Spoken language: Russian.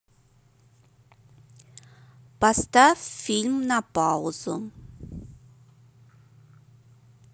поставь фильм на паузу